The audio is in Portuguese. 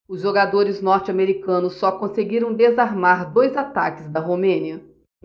os jogadores norte-americanos só conseguiram desarmar dois ataques da romênia